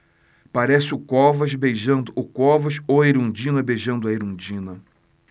parece o covas beijando o covas ou a erundina beijando a erundina